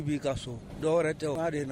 'i ka so dɔw tɛ